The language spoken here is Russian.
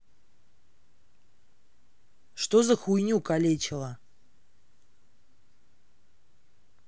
что за хуйню колечила